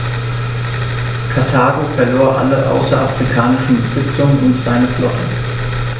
Karthago verlor alle außerafrikanischen Besitzungen und seine Flotte.